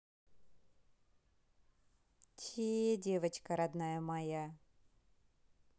че девочка родная моя